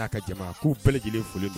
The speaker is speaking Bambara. N'a ka jama k'u bɛɛ lajɛlen folen don